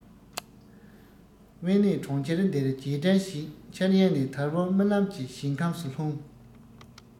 དབེན གནས གྲོང ཁྱེར འདིར རྗེས དྲན བྱེད འཆར ཡན ནས དལ བུར རྨི ལམ གྱི ཞིང ཁམས སུ ལྷུང